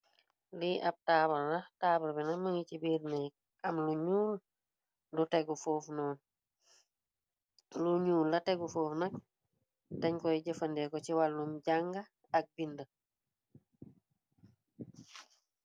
Lii ab taabal la taabal binak mëngi ci biir nayi am uulu ñuul la tegu foof nag dañ koy jëfande ko ci wàllu jànga ak bindi.